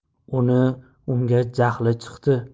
uni unga jahli chiqdi